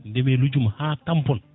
ndeeme lujum ha tampon